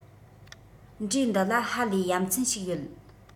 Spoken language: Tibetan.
འབྲས འདི ལ ཧ ལས ཡ མཚན ཞིག ཡོད